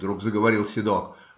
- вдруг заговорил седок.